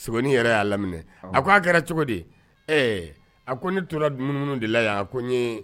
Sogonin yɛrɛ y'a laminɛ, a k'a kɛra cogo di? ɛɛ a ko ne tora munumunu de la yan a ko n